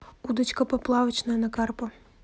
удочка поплавочная на карпа